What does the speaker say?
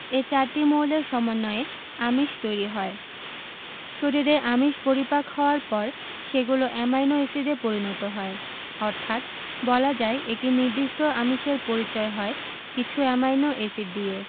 এ চারটি মৌলের সমন্বয়ে আমিষ তৈরি হয় শরীরে আমিষ পরিপাক হওয়ার পর সেগুলো অ্যামাইনো এসিডে পরিণত হয় অর্থাৎ বলা যায় একটি নির্দিষ্ট আমিষের পরিচয় হয় কিছু অ্যামাইনো এসিড দিয়ে